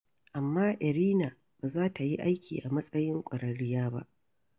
Amma Irina ba za ta yi aiki a matsayin ƙwararriya ba.